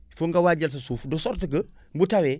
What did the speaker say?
fokk nga waajal sa suuf de sorte que bu tawee